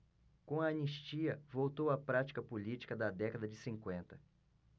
com a anistia voltou a prática política da década de cinquenta